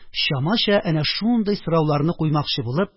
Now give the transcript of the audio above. Чамача әнә шундый сорауларны куймакчы булып